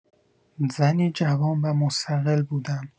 زنی جوان و مستقل بودم.